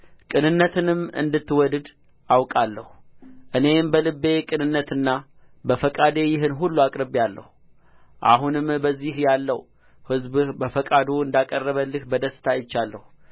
ቅንነትንም እንድትወድድ አውቃለሁ እኔም በልቤ ቅንነትና በፈቃዴ ይህን ሁሉ አቅርቤአለሁ አሁንም በዚህ ያለው ሕዝብህ በፈቃዱ እንዳቀረበልህ በደስታ አይቻለሁ